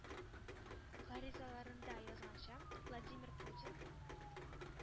Гаризаларында язганча, Владимир Путин